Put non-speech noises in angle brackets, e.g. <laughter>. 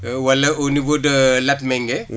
wala au niveau de <hesitation> Latmingué